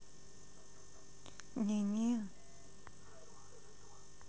не не